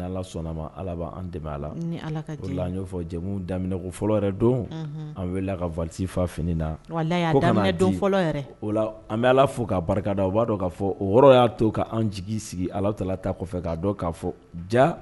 Sɔnna ala dɛmɛ an daminɛ fɔlɔ don an ka vfa fini na an bɛ ala fo k'a barikada u b'a dɔn k'a fɔ o yɔrɔ y'a to k'an jigi sigi ala ta ta kɔfɛ k' k' fɔ